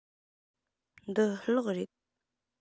འདི གློག རེད